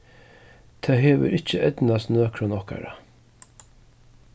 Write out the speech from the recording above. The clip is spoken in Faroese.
tað hevur ikki eydnast nøkrum okkara